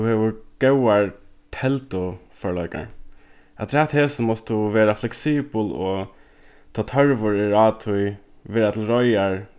tú hevur góðar telduførleikar afturat hesum mást tú vera fleksibul og tá tørvur er á tí vera til reiðar